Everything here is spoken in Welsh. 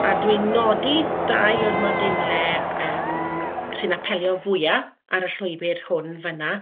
A dwi'n nodi dau o'r modiwlau yym sy'n apelio fwya' ar y llwybr hwn fanna